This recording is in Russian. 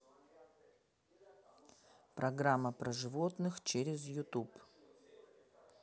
программа про животных через ютуб